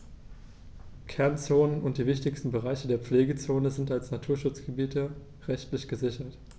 Kernzonen und die wichtigsten Bereiche der Pflegezone sind als Naturschutzgebiete rechtlich gesichert.